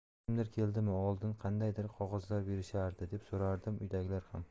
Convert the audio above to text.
kimdir keldimi oldin qandaydir qog'ozlar berishardi deb so'radim uydagilar ham